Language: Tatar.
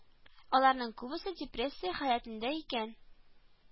Аларның күбесе депрессия халәтендә икән